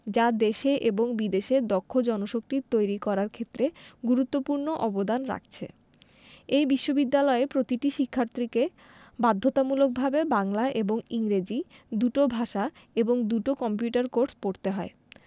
যা দেশে এবং বিদেশে দক্ষ জনশক্তি তৈরি করার ক্ষেত্রে গুরুত্বপূর্ণ অবদান রাখছে এই বিশ্ববিদ্যালয়ে প্রতিটি শিক্ষার্থীকে বাধ্যতামূলকভাবে বাংলা এবং ইংরেজি দুটো ভাষা এবং দুটো কম্পিউটার কোর্স পড়তে হয়